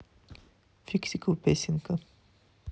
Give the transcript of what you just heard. фиксиков песенка